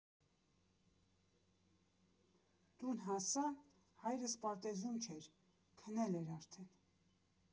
Տուն հասա, հայրս պարտեզում չէր, քնել էր արդեն։